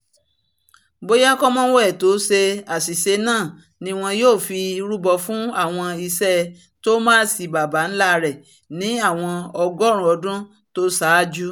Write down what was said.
Bóyá Cromwell tó ṣe àṣìṣe náà ni wọn yóò fi rúbọ fún àwọn ìṣe Thomas baba-ńlá rẹ̀ ní àwọn ọgọ́ọ̀rún ọdún tó saájú.